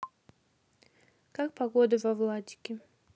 какая погода во владике